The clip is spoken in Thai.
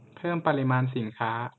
เพิ่มปริมาณสินค้า